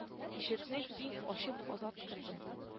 Ишекне киң ачып азат керде